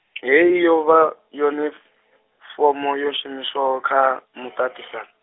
hei yo vha yone, f- fomo yo shumishwaho kha, muṱaṱisano.